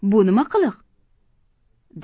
bu nima qiliq